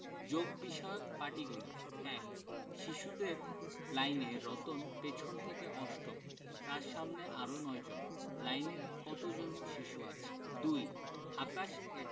যোগ বিষয়ক পাটিগনিত ১ শিশুদের লাইনে রতন পেছন থেকে অষ্টম তার সামনে আরও ৯ জন লাইনে কত জন শিশু আছে ২ আকাশ